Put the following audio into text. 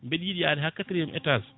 mbeɗa yiiɗi yaade ha quatriéme étage